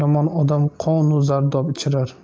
yomon odam qon u zardob ichirar